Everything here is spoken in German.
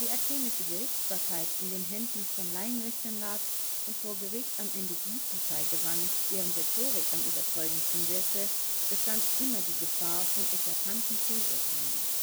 athenische Gerichtsbarkeit in den Händen von Laienrichtern lag und vor Gericht am Ende die Partei gewann, deren Rhetorik am überzeugendsten wirkte, bestand immer die Gefahr von eklatanten Fehlurteilen